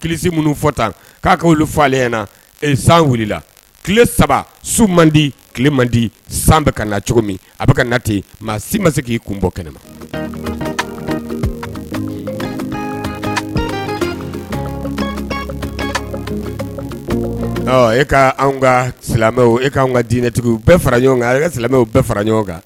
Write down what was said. kisi minnu fɔ tan k'a ka fɔ ale san wulila tile saba su man di tile man di san bɛ ka na cogo min a bɛ ka na ten maa si ma se k'i kun bɔ kɛnɛ ma e k ka silamɛ e ka ka diinɛtigiw fara ɲɔgɔn kan ka silamɛw bɛɛ fara ɲɔgɔn kan